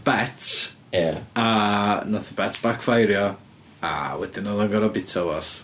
Bet... Ie. ...A wnaeth y bet bacffeirio, a wedyn oedd o'n gorfod bwyta rywbath.